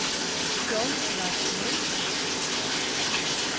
sjálvgreiðslur